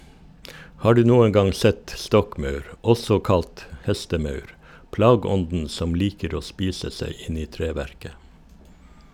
Har du noen gang sett stokkmaur, også kalt hestemaur, plageånden som liker å spise seg inn i treverket?